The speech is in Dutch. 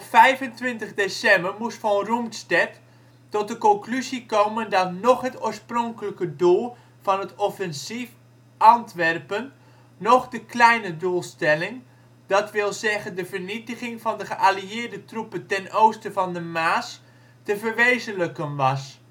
december moest Von Rundstedt tot de conclusie komen dat noch het oorspronkelijke doel van het offensief Antwerpen noch de ‘kleine doelstelling’, dat wil zeggen de vernietiging van de geallieerde troepen ten oosten van de Maas, te verwezenlijken was